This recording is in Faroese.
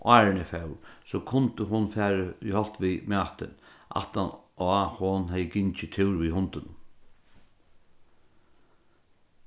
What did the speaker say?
áðrenn eg fór so kundu hon farið í holt við matin aftaná hon hevði gingið túr við hundinum